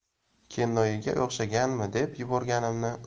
kennoyiga o'xshaganmi deb yuborganimni